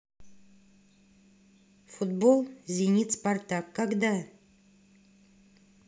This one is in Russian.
футбол зенит спартак когда